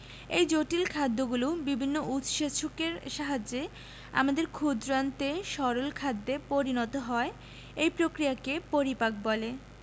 এই জটিল খাদ্যগুলো বিভিন্ন উৎসেচকের সাহায্যে আমাদের ক্ষুদ্রান্তে সরল খাদ্যে পরিণত হয় এই প্রক্রিয়াকে পরিপাক বলে